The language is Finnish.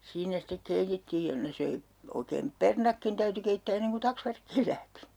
siinä sitten keitettiin ja ne söi oikein perunatkin täytyi keittää ennen kuin taksvärkkiin lähti